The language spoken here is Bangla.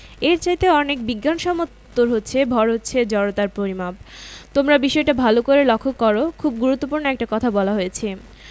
যদি সত্যি সত্যি সব বল বন্ধ করে দেওয়া যেত তাহলে আমরা সত্যিই দেখতে পেতাম সমবেগে চলতে থাকা একটা বস্তু অনন্তকাল ধরে চলছে